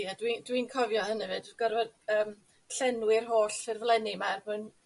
Ie dwi dwi'n cofio hynny 'fyd gorfod yym llenwi'r holl ffurflenni 'ma er mwyn